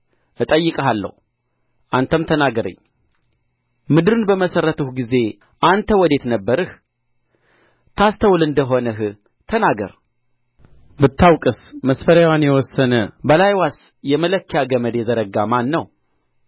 እጠይቅሃለሁ አንተም ተናገረኝ ምድርን በመሠረትሁ ጊዜ አንተ ወዴት ነበርህ ታስተውል እንደ ሆንህ ተናገር ብታውቅስ መሠፈሪያዋን የወሰነ በላይዋስ የመለኪያ ገመድ የዘረጋ ማን ነው